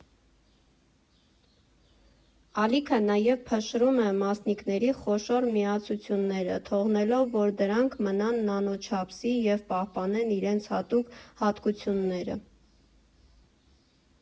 Ալիքը նաև փշրում է մասնիկների խոշոր միացությունները, թողնելով, որ դրանք մնան նանո չափսի և պահպանեն իրենց հատուկ հատկությունները։